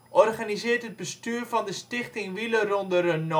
organiseert het bestuur van de Stichting Wielerronde Rhenoy